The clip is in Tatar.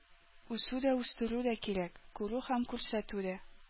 Үсү дә үстерү дә кирәк, күрү һәм күрсәтү дә.